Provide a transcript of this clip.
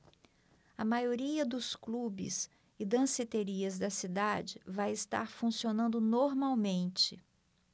a maioria dos clubes e danceterias da cidade vai estar funcionando normalmente